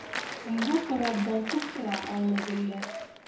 Айга карап балкып тора аллы-гөлле!